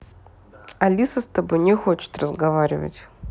алиса с тобой не хочет разговаривать